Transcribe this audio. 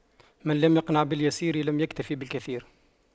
من لم يقنع باليسير لم يكتف بالكثير